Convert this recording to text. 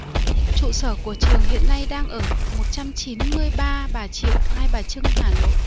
trụ sở của trường hiện nay đang ở một trăm chín mươi ba bà triệu hai bà trưng hà nội